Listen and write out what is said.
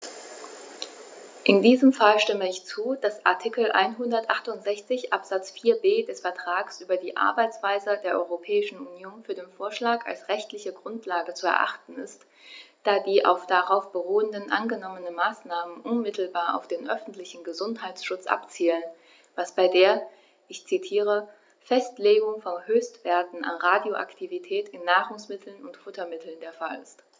In diesem Fall stimme ich zu, dass Artikel 168 Absatz 4b des Vertrags über die Arbeitsweise der Europäischen Union für den Vorschlag als rechtliche Grundlage zu erachten ist, da die auf darauf beruhenden angenommenen Maßnahmen unmittelbar auf den öffentlichen Gesundheitsschutz abzielen, was bei der - ich zitiere - "Festlegung von Höchstwerten an Radioaktivität in Nahrungsmitteln und Futtermitteln" der Fall ist.